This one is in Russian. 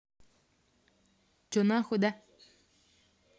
че нахуй да